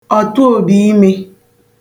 ọ̀tụòbìimē